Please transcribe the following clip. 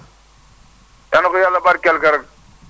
yàlla na ko yàlla barkeel garab